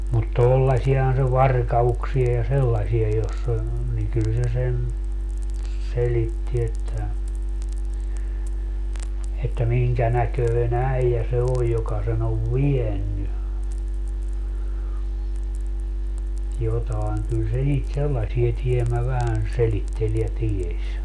mutta tuollaisiahan se varkauksia ja sellaisia jossa oli niin kyllä se sen selitti että että minkä näköinen äijä se on joka sen on vienyt jotakin kyllä se niitä sellaisia tiemmä vähän selitteli ja tiesi